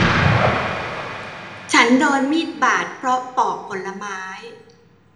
ฉันโดนมีดบาดเพราะปอกผลไม้